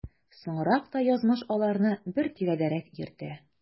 Соңрак та язмыш аларны бер тирәдәрәк йөртә.